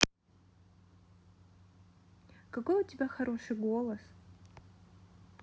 какой у тебя хороший голос